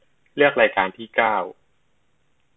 เลือกรายการที่เก้า